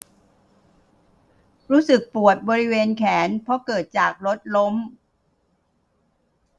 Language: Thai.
รู้สึกปวดบริเวณแขนเพราะเกิดจากรถล้ม